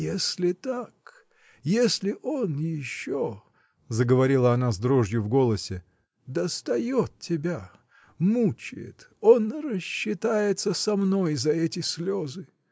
если так, если он еще, — заговорила она с дрожью в голосе, — достает тебя, мучает, он рассчитается со мной за эти слезы!.